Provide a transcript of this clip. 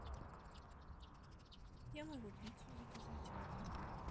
я могу пиццу заказать